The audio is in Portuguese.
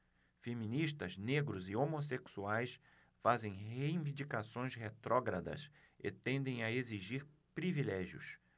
feministas negros e homossexuais fazem reivindicações retrógradas e tendem a exigir privilégios